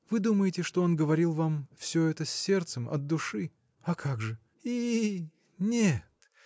– Вы думаете, что он говорил вам все это с сердцем, от души? – А как же? – И! нет.